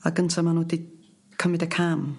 a gynta ma' n'w 'di cymyd y cam